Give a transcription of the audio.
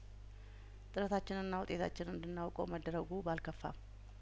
ጥረታችንንና ውጤታችንን እንድና ውቀው መደረጉባል ከፋም